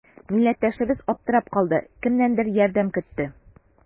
Милләттәшебез аптырап калды, кемнәндер ярдәм көтте.